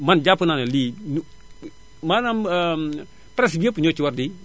man jàpp naa ne lii lu maanaam presse bi yépp ñoo ci war di